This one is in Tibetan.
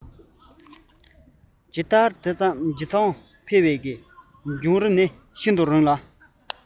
ད ལྟར ཇི ཙམ འཕེལ བའི བྱུང རིམ ནི ཤིན ཏུ རིང ལ